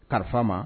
Karisa ma